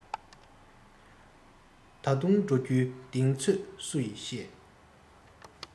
ད དུང འགྲོ རྒྱུའི གདེང ཚོད སུ ཡིས ཤེས